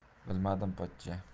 bilmadim pochcha